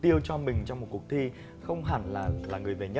tiêu cho mình trong một cuộc thi không hẳn là là người về nhất